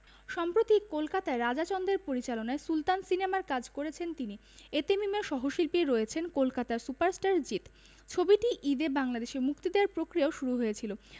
সম্প্রতি কলকাতায় রাজা চন্দের পরিচালনায় সুলতান সিনেমার কাজ করেছেন তিনি এতে মিমের সহশিল্পী রয়েছেন কলকাতার সুপারস্টার জিৎ ছবিটি ঈদে বাংলাদেশে মুক্তি দেয়ার প্রক্রিয়াও শুরু হয়েছিল